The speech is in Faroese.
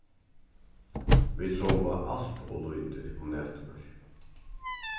vit sova alt ov lítið um næturnar